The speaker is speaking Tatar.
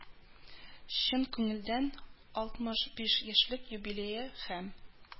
Чын күңелдән алтмыш биш яшьлек юбилее һәм